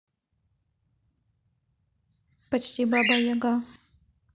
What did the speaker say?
почти баба яга